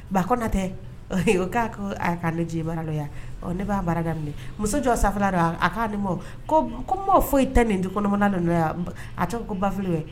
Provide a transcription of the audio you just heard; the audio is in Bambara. Ba konatɛ o' ko' ne ji baara yan ne b'a baarada minɛ muso jɔ sanfɛ a' ni mɔ ko mɔ foyi i ta nin kɔnɔnama yan a tɔgɔ ko bali ye